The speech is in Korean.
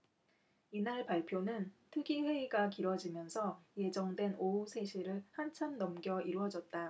이날 발표는 특위 회의가 길어지면서 예정된 오후 세 시를 한참 넘겨 이뤄졌다